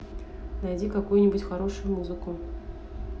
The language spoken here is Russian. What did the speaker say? найди какую нибудь хорошую музыку